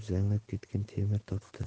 zanglab ketgan temir topdi